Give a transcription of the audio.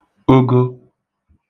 ogo